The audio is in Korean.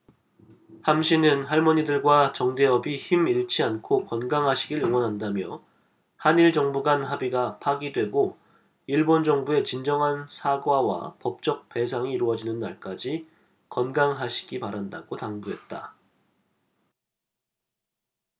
함씨는 할머니들과 정대협이 힘 잃지 않고 건강하시길 응원한다며 한일 정부 간 합의가 파기되고 일본 정부의 진정한 사과와 법적 배상이 이뤄지는 날까지 건강하시기 바란다고 당부했다